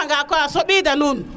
nda a i no xanga koy a soɓi da nun